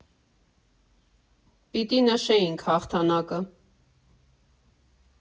Պիտի նշեինք հաղթանակը։